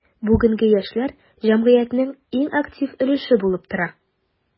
Бүгенге яшьләр – җәмгыятьнең иң актив өлеше булып тора.